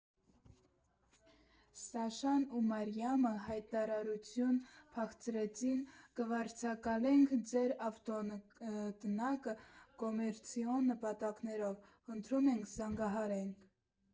Սաշան ու Մարիամը հայտարարություն փակցրեցին՝ «Կվարձակալենք ձեր ավտոտնակը կոմերցիոն նպատակներով, խնդրում ենք՝ զանգահարեք»։